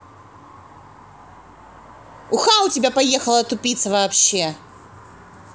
уха у тебя поехала тупица вообще